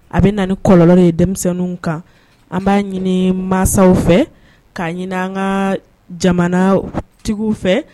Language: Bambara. A bɛ na ni kɔlɔn ye denmisɛnninw kan an b'a ɲini mansaw fɛ'a ɲini an ka jamanatigiw fɛ